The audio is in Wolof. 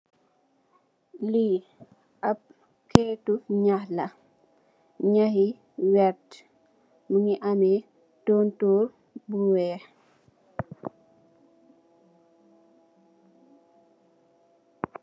Li ap xeetu ñax la, ñax yi werta mugii ameh pentir bu wèèx.